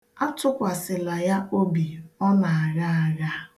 Atụkwasịla ya obi, ọ na-agha agha.